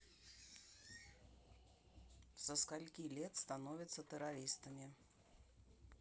со скольки лет становятся террористами